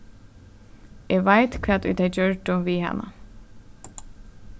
eg veit hvat ið tey gjørdu við hana